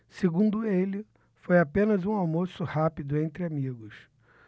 segundo ele foi apenas um almoço rápido entre amigos